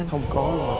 không có luôn